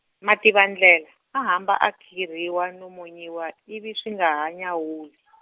Mativandlela, a hamba a khirhiwa no monyiwa ivi swi nga ha nyawuli .